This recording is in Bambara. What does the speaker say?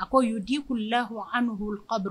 A ko y'o dikuru lah an' ka